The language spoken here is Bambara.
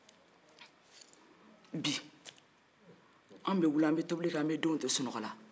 bi anw be wuli ka tobili ke ka denw to sunɔgɔ la